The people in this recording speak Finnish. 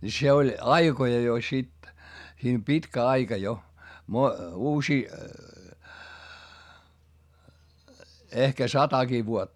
niin se oli aikoja jo sitten siinä pitkä aika jo - uusia ehkä satakin vuotta